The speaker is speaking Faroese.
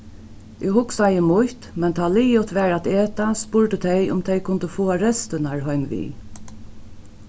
eg hugsaði mítt men tá liðugt var at eta spurdu tey um tey kundu fáa restirnar heim við